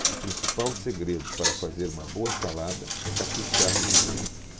o principal segredo para fazer uma boa salada é caprichar no visual